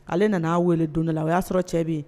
Ale nan'a wele don dɔ la o y'a sɔrɔ cɛ bɛ yen.